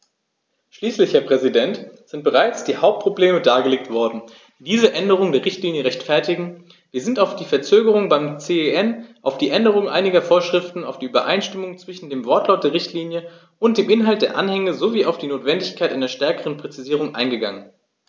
Schließlich, Herr Präsident, sind bereits die Hauptprobleme dargelegt worden, die diese Änderung der Richtlinie rechtfertigen, wir sind auf die Verzögerung beim CEN, auf die Änderung einiger Vorschriften, auf die Übereinstimmung zwischen dem Wortlaut der Richtlinie und dem Inhalt der Anhänge sowie auf die Notwendigkeit einer stärkeren Präzisierung eingegangen.